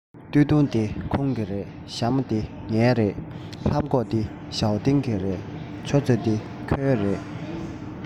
སྟོད ཐུང འདི ཁོང གི རེད ཞྭ མོ འདི ངའི རེད ལྷམ གོག འདི ཞའོ ཏིང གི རེད ཆུ ཚོད འདི ཁོའི རེད